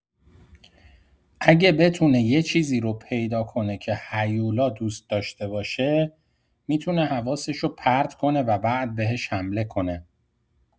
اگه بتونه یه چیزی رو پیدا کنه که هیولا دوست داشته باشه، می‌تونه حواسشو پرت کنه و بعد بهش حمله کنه.